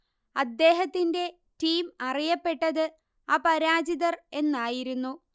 അദ്ദേഹത്തിന്റെ ടീം അറിയപ്പെട്ടത് അപരാജിതർ എന്നായിരുന്നു